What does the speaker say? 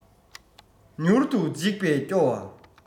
མྱུར དུ འཇིག པས སྐྱོ བ